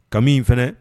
Kami filɛ